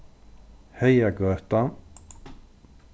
heygagøta